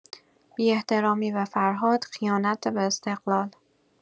بی‌احترامی به فرهاد خیانت به استقلال